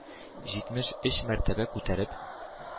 Җитмеш өч мәртәбә күтәреп,